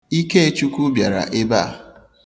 Ikechukwu bịara ebe a.